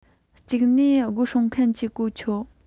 གཅིག ནས སྒོ སྲུང མཁན གྱི གོ ཆོད